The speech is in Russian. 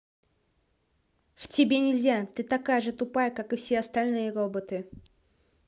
в тебе нельзя ты такая же тупая как и все остальные роботы